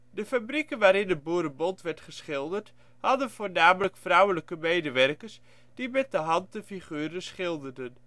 De fabrieken waarin het boerenbont werd geschilderd, hadden voornamelijk vrouwelijke medewerkers die met de hand de figuren schilderden